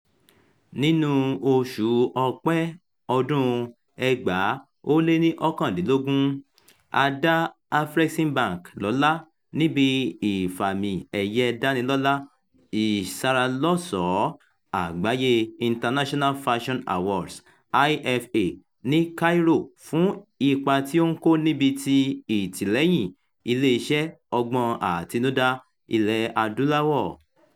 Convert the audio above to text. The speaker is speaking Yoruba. Nínú oṣù Ọ̀pẹ̀ ọdún-un 2019, a dá Afreximbank lọ́lá níbi Ìfàmìẹ̀yẹdánilọ́lá Ìṣaralọ́ṣọ̀ọ́ Àgbáyé International Fashion Awards (IFA) ní Cairo fún ipa tí ó ń kó níbi ti ìtìlẹ́yìn-in iléeṣẹ́ ọgbọ́n àtinudá Ilẹ̀-Adúláwọ̀.